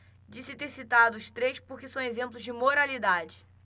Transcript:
disse ter citado os três porque são exemplos de moralidade